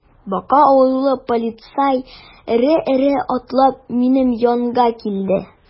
Бака авызлы полицай эре-эре атлап минем янга килде.